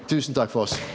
tusen takk for oss.